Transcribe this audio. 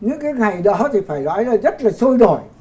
những cái ngày đó thì phải nói là rất là sôi nổi